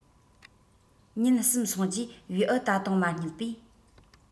ཉིན གསུམ སོང རྗེས བེའུ ད དུང མ རྙེད པས